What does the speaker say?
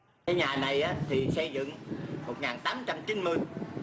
nhà này á thì xây dựng một ngàn tám trăm chín mươi